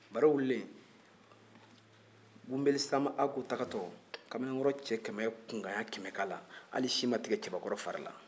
baro wulilen gunbeli sanba hako taatɔ kamalenkɔrɔ cɛ kɛ ye kunkan ɲɛ kɛmɛ k'a la hali si ma tigɛ cɛbakɔrɔ fari la